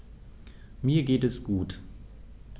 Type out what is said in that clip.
Mir geht es gut.